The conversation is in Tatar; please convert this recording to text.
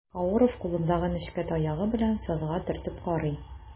Кауров кулындагы нечкә таягы белән сазга төртеп карый.